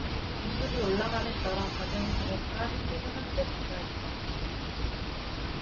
등급이 올라감에 따라 받은 금액과 혜택은 함께 증가했다